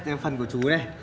phần của chú đây